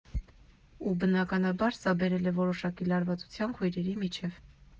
Ու, բնականաբար, սա բերել է որոշակի լարվածության քույրերի միջև։